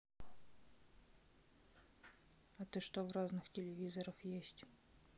а ты что в разных телевизоров есть